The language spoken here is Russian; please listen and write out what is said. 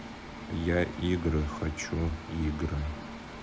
я игры хочу игры